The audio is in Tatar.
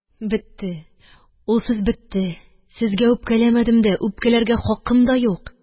Бетте, ул сүз бетте, сезгә үпкәләмәдем дә, үпкәләргә хакым да юк